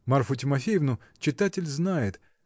Марфу Тимофеевну читатель знает